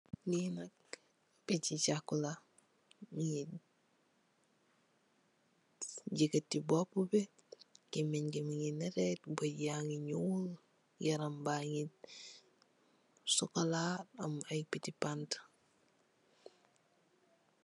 Lii nak pichi chaku la, mingi yeketi bopu bi, gemenye gi mingi nete, beunye yangi nyuul, yaram baangi sokolaa, am aye piti panta.